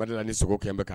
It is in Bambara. A nana ni sogo kɛnbɛn kan